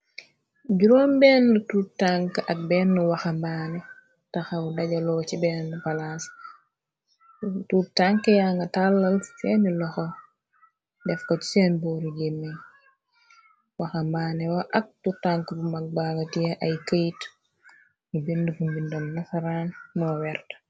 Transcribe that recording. Juróom benn tutank ak benn waxa mbaane taxaw dajaloo ci benn palaas tutank ya nga tàllal feeni loxo def ko ci seen booru géne waxa mbaanewa ak tutank bu magbaanga tee ay këyt nu bind bu mbindoom nafaraan moo wert